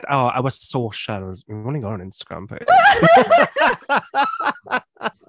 "Our socials", we've only got an Instagram, babe!